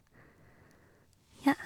Ja.